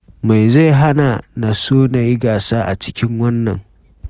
Me zai hana na so na yi gasa a cikin wannan?”